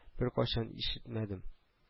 Беркайчан ишетмәдем